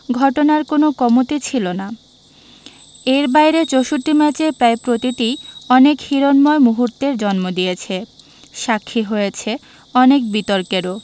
ঘটনার কোনো কমতি ছিল না এর বাইরে ৬৪ ম্যাচের প্রায় প্রতিটিই অনেক হিরণ্ময় মুহূর্তের জন্ম দিয়েছে সাক্ষী হয়েছে অনেক বিতর্কেরও